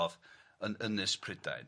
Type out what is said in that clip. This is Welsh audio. yn Ynys Prydain.